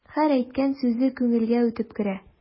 Һәр әйткән сүзе күңелгә үтеп керә.